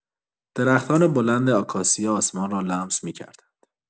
درختان بلند آکاسیا آسمان را لمس می‌کردند.